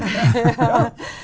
ja.